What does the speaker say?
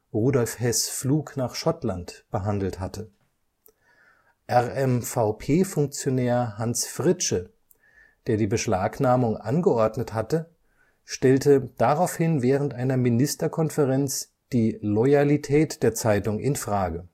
Rudolf Heß ' Flug nach Schottland) behandelt hatte. RMVP-Funktionär Hans Fritzsche, der die Beschlagnahmung angeordnet hatte, stellte daraufhin während einer Ministerkonferenz die Loyalität der Zeitung in Frage